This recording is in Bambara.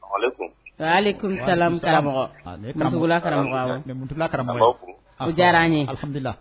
Salamwalekum waalekum salam karamɔgɔ aa ni ye karamɔ Muntugula karamɔgɔ awɔ ni ye Muntugula karamɔgɔ ye an baw fo o diyara an ye al hamdulila